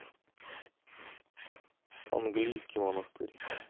английский монастырь